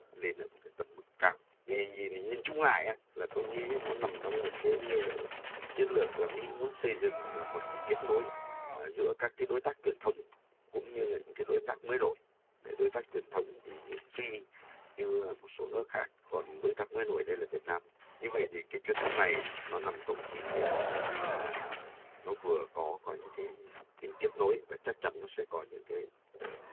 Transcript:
lên một cái tầm mức cao thì nhìn nhìn chung lại á là tôi nghĩ nó nằm trong một cái chiến lược là mỹ muốn xây dựng là một cái kết nối giữa các cái đối tác truyền thông cũng như là những cái đối tác mới nổi đấy đối tác truyền thống như phi như một số nước khác còn đối tác mới nổi lên là việt nam như vậy thì cái chuyến thăm này á nó nằm trong ý nghĩa là là nó vừa có có những cái tính tiếp nối và chắc chắn nó sẽ có những cái ờ có